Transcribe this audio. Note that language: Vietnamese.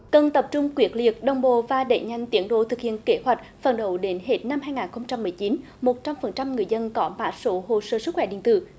cần tập trung quyết liệt đồng bộ và đẩy nhanh tiến độ thực hiện kế hoạch phấn đấu đến hết năm hai ngàn không trăm mười chín một trăm phần trăm người dân có mã số hồ sơ sức khỏe điện tử